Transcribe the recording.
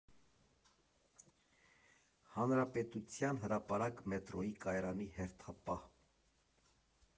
Հանրապետության հրապարակ մետրոյի կայարանի հերթապահ։